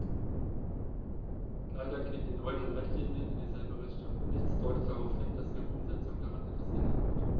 Leider gehen die neuen Leitlinien in dieselbe Richtung, und nichts deutet darauf hin, dass ihre Umsetzung daran etwas ändern wird.